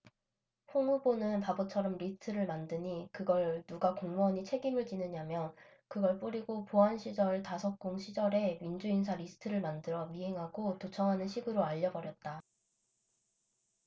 홍 후보는 바보처럼 리스트를 만드니 그걸 누가 공무원이 책임을 지느냐며 그걸 뿌리고 보안시절 다섯 공시절에 민주인사 리스트를 만들어 미행하고 도청하는 식으로 알려 버렸다